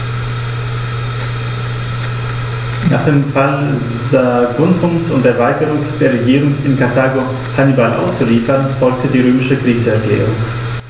Nach dem Fall Saguntums und der Weigerung der Regierung in Karthago, Hannibal auszuliefern, folgte die römische Kriegserklärung.